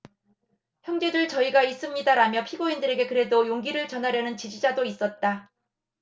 형제들 저희가 있습니다라며 피고인들에게 그래도 용기를 전하려는 지지자도 있었다